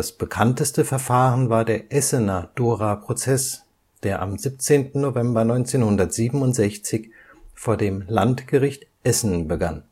bekannteste Verfahren war der Essener Dora-Prozess, der am 17. November 1967 vor dem Landgericht Essen begann